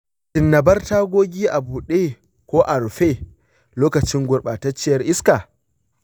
shin na bar tagogi a bude ko a rufe lokacin gurɓatacciyar iska?